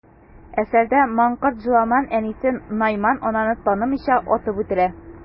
Әсәрдә манкорт Җоламан әнисе Найман ананы танымыйча, атып үтерә.